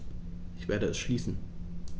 Ich werde es schließen.